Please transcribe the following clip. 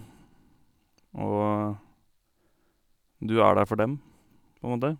Og du er der for dem, på en måte.